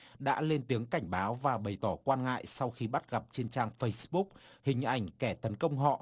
đã lên tiếng cảnh báo và bày tỏ quan ngại sau khi bắt gặp trên trang phây xờ búc hình ảnh kẻ tấn công họ